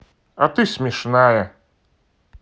а ты смешная